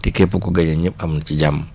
te képp ku gagné ñëpp am ci jàmm